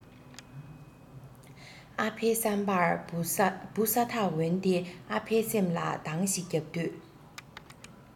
ཨ ཕའི བསམ པར བུ ས ཐག འོན ཏེ ཨ ཕའི སེམས ལ གདང ཞིག བརྒྱབ དུས